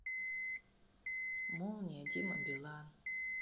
молния дима билан